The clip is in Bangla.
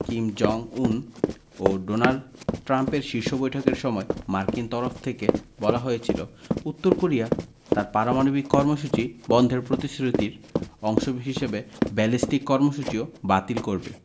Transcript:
কিম জং উন ও ডোনাল্ড ট্রাম্পের শীর্ষ বৈঠকের সময় মার্কিন তরফ থেকে বলা হয়েছিল উত্তর কোরিয়া তার পারমাণবিক কর্মসূচি বন্ধের প্রতিশ্রুতির অংশ হিসেবে ব্যালিস্টিক কর্মসূচিও বাতিল করবে